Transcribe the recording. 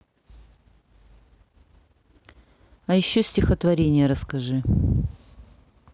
а еще стихотворение расскажи